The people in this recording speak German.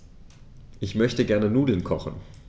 Ich möchte gerne Nudeln kochen.